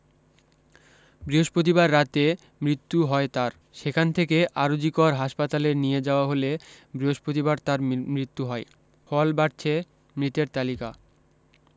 বৃহস্পতিবার রাতে মৃত্যু হয় তার সেখান থেকে আরজিকর হাসপাতালে নিয়ে যাওয়া হলে বৃহস্পতিবার তার মৃত্যু হয় ফল বাড়ছে মৃতের তালিকা